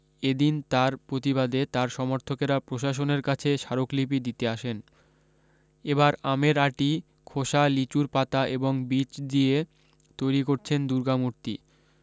এদিন তার প্রতিবাদে তার সমর্থকেরা প্রশাসনের কাছে স্মারকলিপি দিতে আসেন এবার আমের আঁটি খোসা লিচুর পাতা এবং বীজ দিয়ে তৈরী করছেন দুর্গা মূর্তি